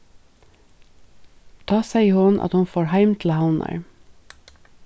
tá segði hon at hon fór heim til havnar